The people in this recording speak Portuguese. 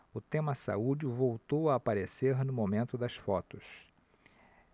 o tema saúde voltou a aparecer no momento das fotos